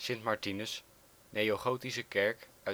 1200 St. Martinus, neogotische kerk uit